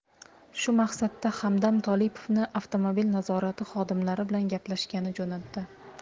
shu maqsadda hamdam tolipovni avtomobil nazorati xodimlari bilan gaplashgani jo'natdi